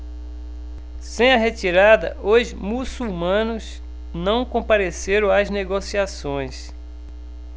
sem a retirada os muçulmanos não compareceram às negociações